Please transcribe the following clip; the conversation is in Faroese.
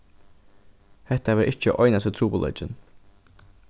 hetta var ikki einasti trupulleikin